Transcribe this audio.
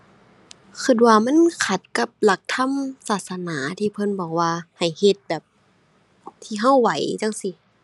คิดว่ามันขัดกับหลักธรรมศาสนา ที่เพิ่นบอกว่าให้เฮ็ดแบบที่คิดไหวจั่งซี้